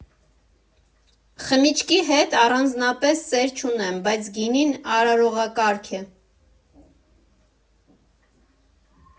Խմիչքի հետ առանձնապես սեր չունեմ, բայց գինին արարողակարգ է։